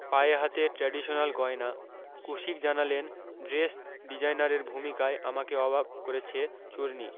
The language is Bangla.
পায়ে হাতে ট্রাডিশনাল গয়না কুশিক জানালেন ড্রেস ডিজাইনারের ভূমিকায় আমাকে অবাক করেছেন চূরণী